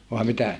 vai mitä